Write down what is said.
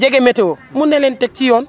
jege météo mun na leen teg ci yoon